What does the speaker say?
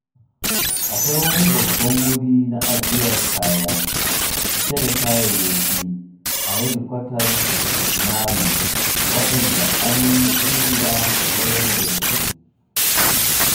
Akwai wani babban wuri na ajiyar kaya cike da kayayyaki a hedikwatar Marlow waɗanda an shirya sayar da su.”